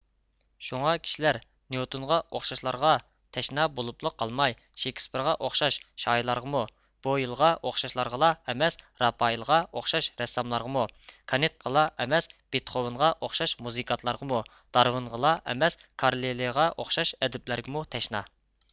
شۇڭا كىشىلەر نيۇتونغا ئوخشاشلارغا تەشنا بولۇپلا قالماي شېكىسپېرغا ئوخشاش شائىرلارغىمۇ بويىلغا ئوخشاشلارغىلا ئەمەس راپائېلغا ئوخشاش رەسساملارغىمۇ كانتقىلا ئەمەس بېتخوۋېنغا ئوخشاش مۇزىكانتلارغىمۇ دارۋېنغىلا ئەمەس كارلىلىغا ئوخشاش ئەدىبلەرگىمۇ تەشنا